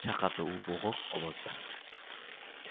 chaqirdi u bo'g'iq ovozda